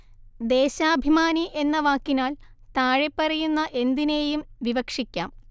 ദേശാഭിമാനി എന്ന വാക്കിനാൽ താഴെപ്പറയുന്ന എന്തിനേയും വിവക്ഷിക്കാം